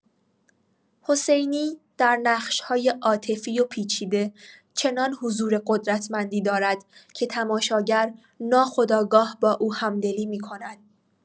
حسینی در نقش‌های عاطفی و پیچیده، چنان حضور قدرتمندی دارد که تماشاگر ناخودآگاه با او همدلی می‌کند.